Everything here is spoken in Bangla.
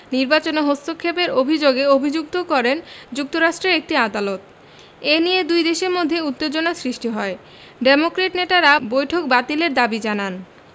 নির্বাচনে হস্তক্ষেপের অভিযোগে অভিযুক্ত করেন যুক্তরাষ্ট্রের একটি আদালত এ নিয়ে দুই দেশের মধ্যে উত্তেজনা সৃষ্টি হয় ডেমোক্র্যাট নেতারা বৈঠক বাতিলের দাবি জানান